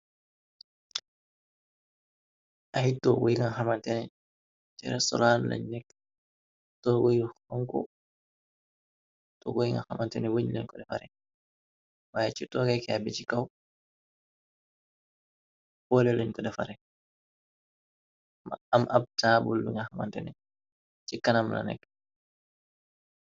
Aiiy tohgu yinga hamanteh neh cii restaurant lengh neku, tohgu yu honhu, tohgu yinga hamanteh neh weungh len kor defarreh, yy chi tohgeh kaii bii chi kaw fohleh lenkor defareh, am ahb taabul bii nga hamanteh neh chi kanam la nek.